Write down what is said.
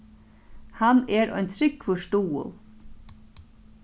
hann er ein trúgvur stuðul